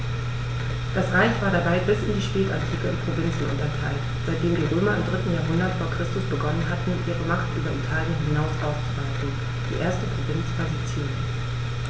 Das Reich war dabei bis in die Spätantike in Provinzen unterteilt, seitdem die Römer im 3. Jahrhundert vor Christus begonnen hatten, ihre Macht über Italien hinaus auszuweiten (die erste Provinz war Sizilien).